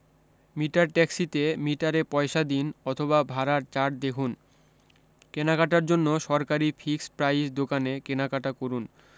metre ট্যাক্সিতে মিটারে পয়সা দিন অথবা ভাড়ার চারট দেখুন কেনাকাটার জন্য সরকারী ফিক্সড প্রাইস দোকানে কেনাকাটা করুণ